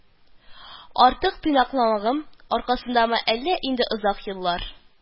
Артык тыйнаклыгым аркасындамы, әллә инде озак еллар